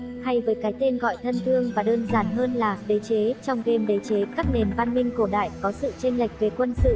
hay với cái tên gọi thân thương và đơn giản hơn là đế chế trong game đế chế các nền văn minh cổ đại có sự chênh lệch về quân sự